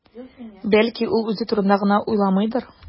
Бәлки, ул үзе турында гына уйламыйдыр?